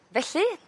Felly